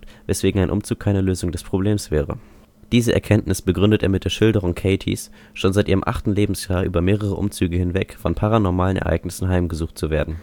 weswegen ein Umzug keine Lösung des Problems wäre. Diese Erkenntnis begründet er mit der Schilderung Katies, schon seit ihrem achten Lebensjahr über mehrere Umzüge hinweg von paranormalen Ereignissen heimgesucht zu werden